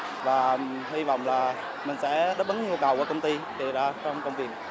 và hy vọng là mình sẽ đáp ứng nhu cầu của công ty đề ra trong công việc